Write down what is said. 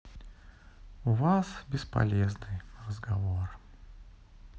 у вас бесполезный разговор